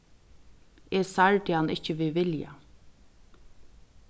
eg særdi hann ikki við vilja